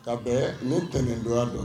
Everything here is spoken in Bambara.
Ka bɛn ni ntɛnɛndonya dɔ